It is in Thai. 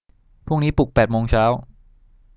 พรุ่งนี้ปลุกแปดโมงเช้า